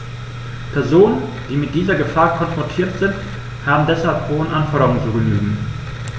Personen, die mit dieser Gefahr konfrontiert sind, haben deshalb hohen Anforderungen zu genügen.